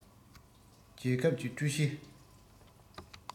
རྒྱལ ཁབ ཀྱི ཀྲུའུ ཞི